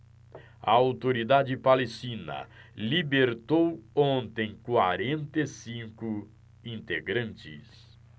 a autoridade palestina libertou ontem quarenta e cinco integrantes